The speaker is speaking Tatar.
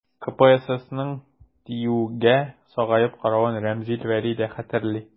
КПССның ТИҮгә сагаеп каравын Римзил Вәли дә хәтерли.